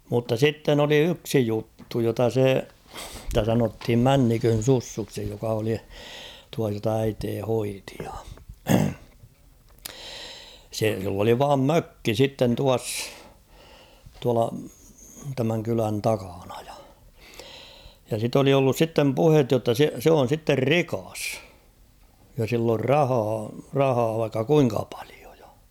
mutta sitten oli yksi juttu jota se sitä sanottiin Männikön Sussuksi joka oli tuo jota äiti hoiti ja se sillä oli vain mökki sitten tuossa tuolla tämän kylän takana ja ja sitä oli ollut sitten puhetta jotta se se on sitten rikas ja sillä on rahaa rahaa vaikka kuinka paljon ja